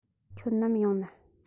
ཁྱོད ནམ ཡོང ནི